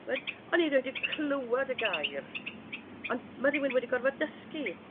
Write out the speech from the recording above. T'mod? O'n i rioid 'di clwad y gair ond ma' rywun wedi gorfod dysgu.